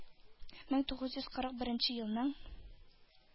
Мең тугыз йөз кырык беренче елның